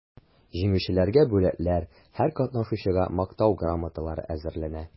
Җиңүчеләргә бүләкләр, һәр катнашучыга мактау грамоталары әзерләнә.